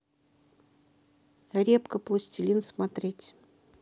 репка пластилин смотреть